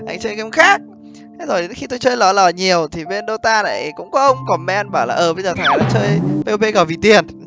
lại chơi ghêm khác thế rồi đến khi tôi chơi lờ o lờ nhiều thì bên đo ta lại cũng có ông còm men bảo là ờ bây giờ thằng này nó chơi hê ô pê gờ vì tiền